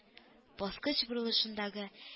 Баскыч борылышындагы